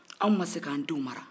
anw ma se k'an denw mara